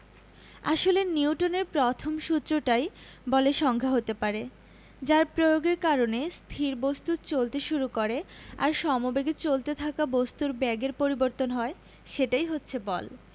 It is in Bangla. আসলে নিউটনের প্রথম সূত্রটাই বলের সংজ্ঞা হতে পারে যার প্রয়োগের কারণে স্থির বস্তু চলতে শুরু করে আর সমবেগে চলতে থাকা বস্তুর বেগের পরিবর্তন হয় সেটাই হচ্ছে বল